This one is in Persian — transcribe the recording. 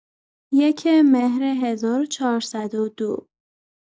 ۱ مهر ۱۴۰۲